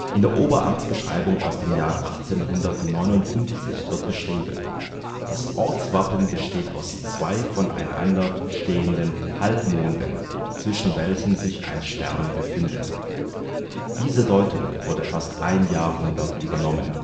In der Oberamtsbeschreibung aus dem Jahr 1859 wird beschrieben: „ Das Ortswappen besteht aus zwei von einander stehenden Halbmonden, zwischen welchen sich ein Stern befindet. “Diese Deutung wurde fast ein Jahrhundert übernommen